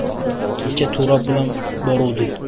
kecha turob bilan boruvdik